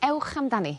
Ewch amdani.